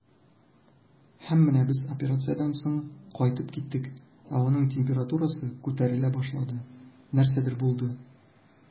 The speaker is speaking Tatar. Һәм менә без операциядән соң кайтып киттек, ә аның температурасы күтәрелә башлады, нәрсәдер булды.